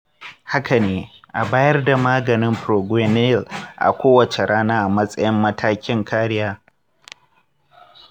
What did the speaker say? haka ne, a bayar da maganin proguanil a kowace rana a matsayin matakin kariya.